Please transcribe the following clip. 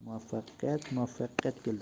muvaffaqiyat muvaffaqiyat keltiradi